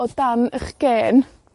o dan 'ych gên.